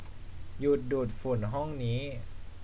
หยุดดูดฝุ่นห้องนี้